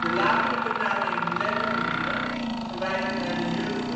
latere benaming Letherminge (verwijzend naar Liudger